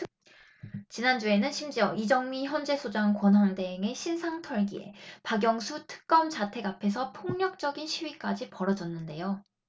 지난주에는 심지어 이정미 헌재소장 권한대행의 신상 털기에 박영수 특검 자택 앞에서 폭력적인 시위까지 벌어졌는데요